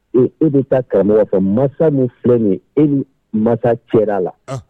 Ee e be taa karamɔgɔ fɛ mansa min filɛ nin ye e ni mansa cɛla la